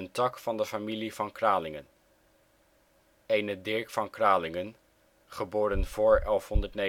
tak van de familie Van Kralingen. Ene Dirk van Cralingen (geboren voor 1189